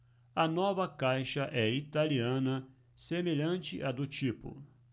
a nova caixa é italiana semelhante à do tipo